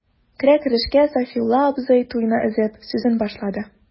Керә-керешкә Сафиулла абзый, туйны өзеп, сүзен башлады.